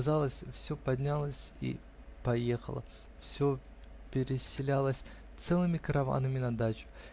казалось, всё поднялось и поехало, всё переселялось целыми караванами на дачу